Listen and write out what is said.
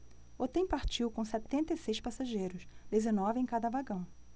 o trem partiu com setenta e seis passageiros dezenove em cada vagão